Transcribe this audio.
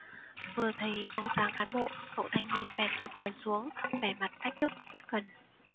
vừa thấy bóng dáng cán bộ cậu thanh niên bèn tuột quần xuống vẻ mặt thách thức bất cần